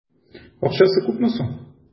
Акчасы күпме соң?